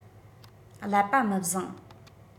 ཀླད པ མི བཟང